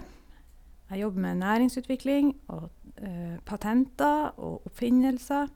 Jeg jobber med næringsutvikling og d patenter og oppfinnelser.